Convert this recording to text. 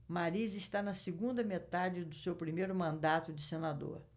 mariz está na segunda metade do seu primeiro mandato de senador